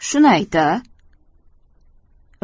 shuni ayt a